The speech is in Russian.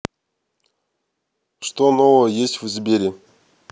что нового есть в сбере